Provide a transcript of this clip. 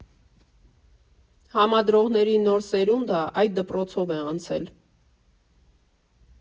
Համադրողների նոր սերունդը այդ դպրոցով է անցել։